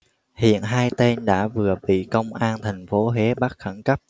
hiện hai tên đã vừa bị công an thành phố huế bắt khẩn cấp